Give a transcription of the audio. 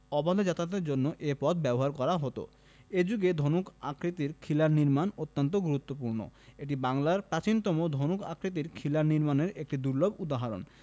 অবাধে যাতায়াতের জন্য এ পথ ব্যবহার করা হতো এ যুগে ধনুক আকৃতির খিলান নির্মাণ অত্যন্ত গুরুত্বপূর্ণ এটি বাংলার প্রাচীনতম ধনুক আকৃতির খিলান নির্মাণের একটি দুর্লভ উদাহরণ